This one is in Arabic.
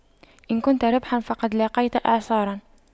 إن كنت ريحا فقد لاقيت إعصارا